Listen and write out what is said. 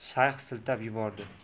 shayx siltab yubordi